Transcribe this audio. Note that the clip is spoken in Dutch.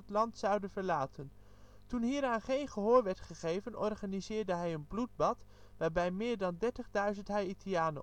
land zouden verlaten. Toen hieraan geen gehoor werd gegeven organiseerde hij een bloedbad, waarbij meer dan 30.000 Haïtianen omkwamen